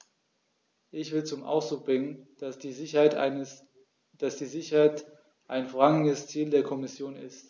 Ich will zum Ausdruck bringen, dass die Sicherheit ein vorrangiges Ziel der Kommission ist.